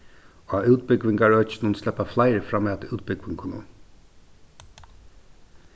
á útbúgvingarøkinum sleppa fleiri framat útbúgvingunum